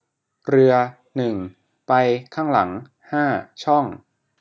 เรือหนึ่งไปข้างหลังห้าช่อง